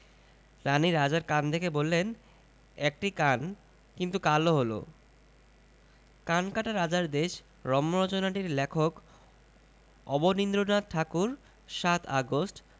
রানী রাজার কান দেখে বললেন একটি কান কিন্তু কালো হল' 'কানকাটা রাজার দেশ' রম্যরচনাটির লেখক অবনীন্দ্রনাথ ঠাকুর ৭ আগস্ট